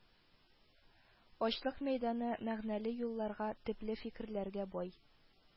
«ачлык мәйданы» мәгънәле юлларга, төпле фикерләргә бай